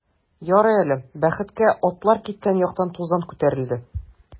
Ярый әле, бәхеткә, атлар киткән яктан тузан күтәрелде.